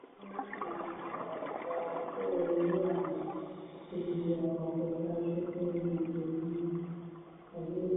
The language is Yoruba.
Ní orílẹ̀-èdè America, ẹ̀ka-iṣẹ́ eré ayò tóbi ju àpapọ̀ ẹ̀ka-iṣẹ́ ti orin àti eré àgbéléwò lọ.